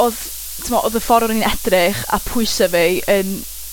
odd, t'mo' odd y ffor o'n i'n edrych, a pwyse fi yn